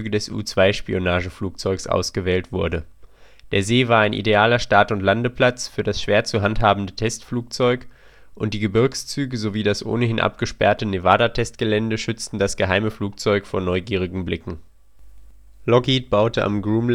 des U-2 Spionageflugzeugs ausgewählt wurde. Der See war ein idealer Start - und Landeplatz für das schwer zu handhabende Testflugzeug, und die Gebirgszüge sowie das ohnehin abgesperrte Nevada-Testgelände schützten das geheime Flugzeug vor neugierigen Blicken. Lockheed baute am Groom